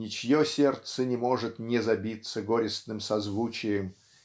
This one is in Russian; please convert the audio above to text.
ничье сердце не может не забиться горестным созвучием.